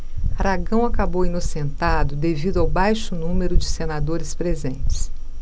aragão acabou inocentado devido ao baixo número de senadores presentes